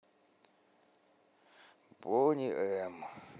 бони м